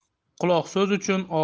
quloq so'z uchun